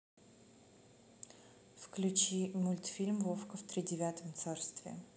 включи мультфильм вовка в тридевятом царстве